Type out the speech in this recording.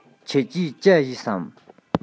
ཁྱེད ཀྱིས ཇ བཞེས སམ